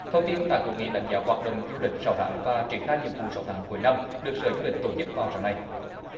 thông tin tại hội nghị đánh giá hoạt động du lịch sáu tháng và triển khai nhiệm vụ sáu tháng cuối năm được sở du lịch tổ chức vào sáng nay